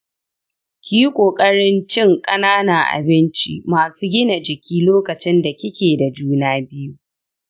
ki yi ƙoƙarin cin ƙananan abinci masu gina jiki lokacin da kike da juna biyu.